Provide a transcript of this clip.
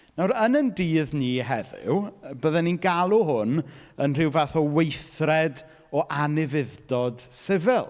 Nawr, yn ein dydd ni heddiw, bydden ni'n galw hwn yn rhyw fath o weithred o anufudd-dod sifil.